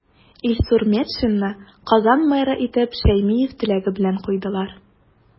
Илсур Метшинны Казан мэры итеп Шәймиев теләге белән куйдылар.